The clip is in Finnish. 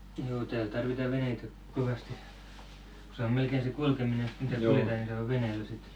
juu täällä tarvitaan veneitä kovasti kun se on melkein se kulkeminen mitä kuljetaan niin se on veneellä sitten